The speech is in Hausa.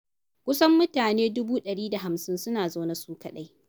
Kusan mutane dubu 150 suna zaune su kaɗai.